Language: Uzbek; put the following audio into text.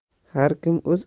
har kim o'z